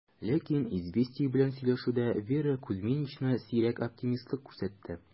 Ләкин "Известия" белән сөйләшүдә Вера Кузьминична сирәк оптимистлык күрсәтте: